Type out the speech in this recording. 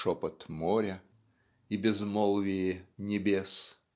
шепот моря И безмолвие небес.